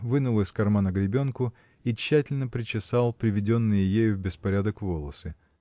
вынул из кармана гребенку и тщательно причесал приведенные ею в беспорядок волосы.